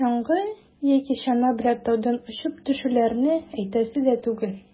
Чаңгы яки чана белән таудан очып төшүләрне әйтәсе дә түгел.